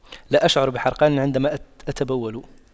لا أشعر بحرقان عندما أتبول